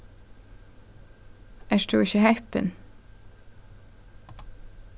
ert tú ikki heppin